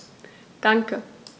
Danke.